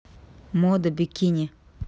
мода бикини